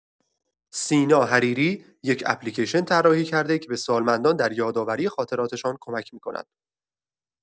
سینا حریری، یک اپلیکیشن طراحی کرده که به سالمندان در یادآوری خاطراتشان کمک می‌کند.